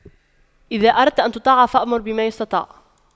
إذا أردت أن تطاع فأمر بما يستطاع